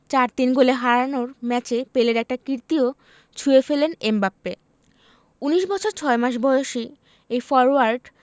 ৪ ৩ গোলে হারানোর ম্যাচে পেলের একটা কীর্তিও ছুঁয়ে ফেললেন এমবাপ্পে ১৯ বছর ৬ মাস বয়সী এই ফরোয়ার্ড